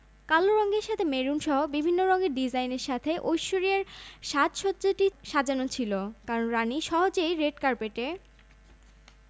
Saint George's chapel বা গির্জার ধারণক্ষমতা ৮০০ জন হ্যারি মেগানের রাজকীয় বিয়ের ভেন্যু ফুলে ফুলে সাজিয়ে তোলার দায়িত্ব পেয়েছেন লন্ডনের ফুল ব্যবসায়ী ফিলিপ্পা ক্র্যাডোক